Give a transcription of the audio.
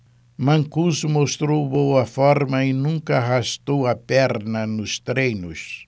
mancuso mostrou boa forma e nunca arrastou a perna nos treinos